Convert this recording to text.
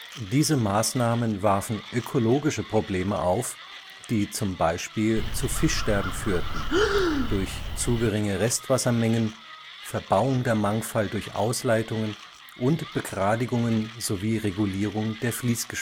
Diese Maßnahmen warfen ökologische Probleme auf, die zum Beispiel zu Fischsterben führten (zu geringe Restwassermengen, Verbauung der Mangfall durch Ausleitungen und Begradigungen sowie Regulierung der Fließgeschwindigkeit